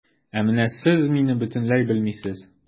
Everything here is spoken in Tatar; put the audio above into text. Ә менә сез мине бөтенләй белмисез.